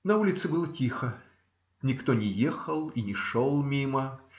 На улице было тихо: никто не ехал и не шел мимо.